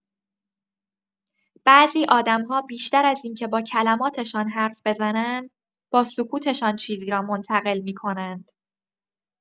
بعضی آدم‌ها بیشتر از اینکه با کلمات‌شان حرف بزنند، با سکوت‌شان چیزی را منتقل می‌کنند.